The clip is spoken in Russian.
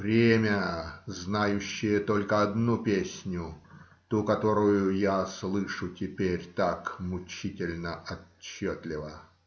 время, знающее только одну песню, ту, которую я слышу теперь так мучительно отчетливо.